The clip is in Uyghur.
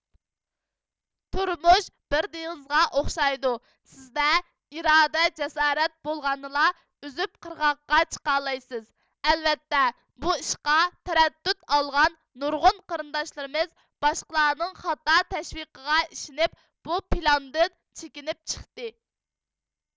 تۇرمۇش بىر دېڭىزغا ئوخشايدۇ سىزدە ئىرادە جاسارەت بولغاندىلا ئۇزۇپ قىرغاققا چىقالايسىز ئەلۋەتتە بۇ ئىشقا تەرەددۈت ئالغان نۇرغۇن قېرىنداشلىرىمىز باشقىلارنىڭ خاتا تەشۋىقىغا ئىشىنىپ بۇ پىلاندىن چىكىنىپ چىقتى